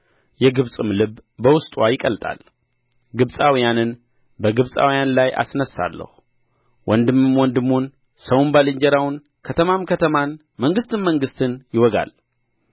የግብጽም ልብ በውስጥዋ ይቀልጣል ግብጻውያንን በግብጻውያን ላይ አስነሣለሁ ወንድምም ወንድሙን ሰውም ባልንጀራውን ከተማም ከተማን መንግሥትም መንግሥትን ይወጋል